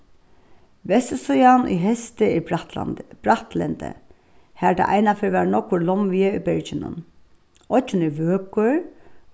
vestursíðan í hesti er brattlendi har tað einaferð var nógvur lomvigi í berginum oyggin er vøkur